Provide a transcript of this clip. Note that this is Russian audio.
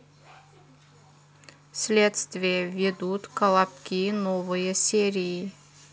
следствие ведут колобки новые серии